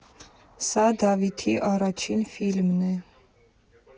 Սա Դավիթի առաջին ֆիլմն է.